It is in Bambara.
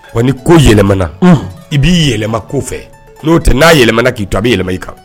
Ɔ ni ko yɛlɛmana i b'i yɛlɛma ko fɛ n'o tɛ n'a yɛlɛmana k'i dɔ bɛ yɛlɛma i kan